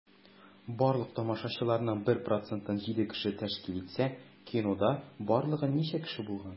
Барлык тамашачыларның 1 процентын 7 кеше тәшкил итсә, кинода барлыгы ничә кеше булган?